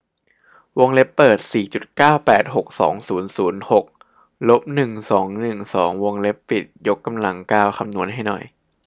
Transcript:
วงเล็บเปิดสี่จุดเก้าแปดหกสองศูนย์ศูนย์หกลบหนึ่งสองหนึ่งสองวงเล็บปิดยกกำลังเก้าคำนวณให้หน่อย